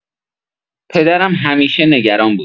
پدرم همیشه نگران بود.